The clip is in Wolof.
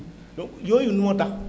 donc yooyu moo tax